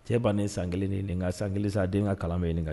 Cɛ ban ni san kelen ni nin ka san kelen sa a den ka kalan ye ɲininka